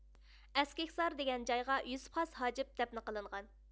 ئەسكىھسار دېگەن جايغا يۈسۈپ خاس ھاجىم دەپنە قىلىنغان